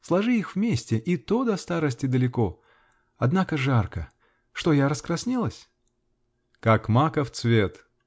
Сложи их вместе, и то до старости далеко. Однако жарко. Что, я раскраснелась ?-- Как маков цвет!